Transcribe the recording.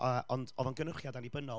yy ond oedd o'n gynhyrchiad annibynnol,